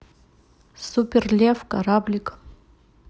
супер лев кораблик